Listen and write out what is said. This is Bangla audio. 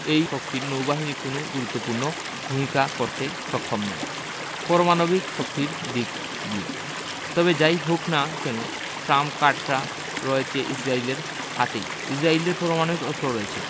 এই শক্তির নৌবাহিনী কোনো গুরুত্বপূর্ণ ভূমিকা পালন করতে সক্ষম নয় পরমাণবিক শক্তির দিক দিয়ে তবে যা ই হোক না কেন ট্রাম্প কার্ডটা রয়েছে ইসরায়েলের হাতেই ইসরায়েলের পারমাণবিক অস্ত্র রয়েছে